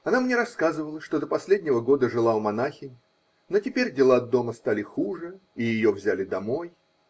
Она мне рассказывала, что до последнего года жила у монахинь, но теперь дела дома стали хуже, и ее взяли домой.